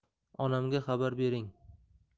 onamga xabar bering